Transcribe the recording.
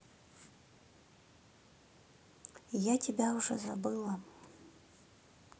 я тебя уже забыла